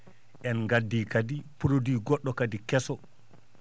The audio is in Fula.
en nganndi kadi produit go??o kadi kesso